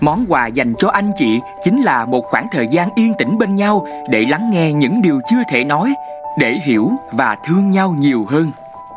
món quà dành cho anh chị chính là một khoảng thời gian yên tĩnh bên nhau để lắng nghe những điều chưa thể nói để hiểu và thương nhau nhiều hơn